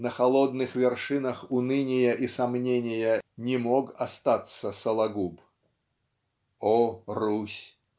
на холодных вершинах уныния и сомнения не мог остаться Сологуб. О Русь!